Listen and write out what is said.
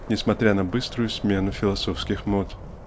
несмотря на быструю смену философских мод?